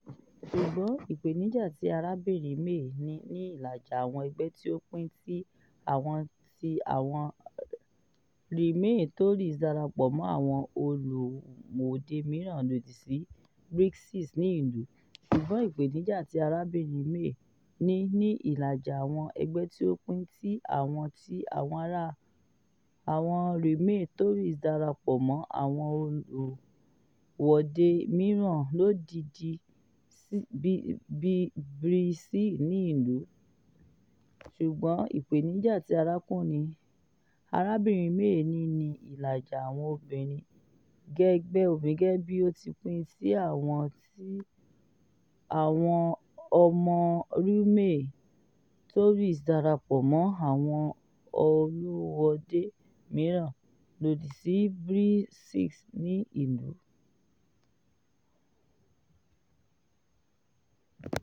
Ṣugbọn ipenija ti Arabinrin May ni ni ilaja awọn ẹgbẹ ti o pin ti awọn ti awọn Remain Tories darapọ mọ awọn oluwọde miiran lodisi Brexit ni ilu.